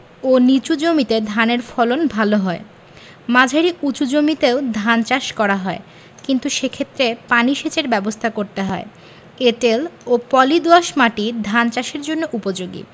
ও নিচু জমিতে ধানের ফলন ভালো হয় মাঝারি উচু জমিতেও ধান চাষ করা হয় কিন্তু সেক্ষেত্রে পানি সেচের ব্যাবস্থা করতে হয় এঁটেল ও পলি দোআঁশ মাটি ধান চাষের জন্য উপযোগী